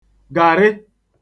gàrị